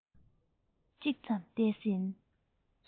གཅིག ཙམ འདས ཟིན